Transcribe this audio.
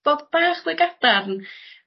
bod bach mwy gadarn